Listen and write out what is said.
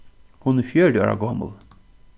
hon er fjøruti ára gomul